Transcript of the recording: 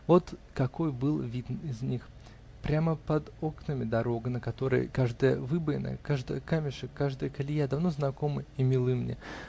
Вот какой был вид из них: прямо под окнами дорога, на которой каждая выбоина, каждый камешек, каждая колея давно знакомы и милы мне